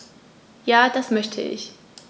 Ja, das möchte ich.